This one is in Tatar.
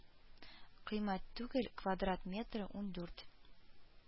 Кыйммәт түгел, квадрат метры ундүрт